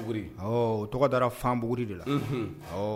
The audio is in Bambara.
Tɔgɔ da fanbuguuguri de la